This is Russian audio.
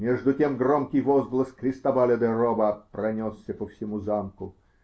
Между тем громкий возглас Кристобаля де Роба пронесся по всему замку.